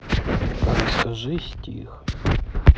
расскажи стих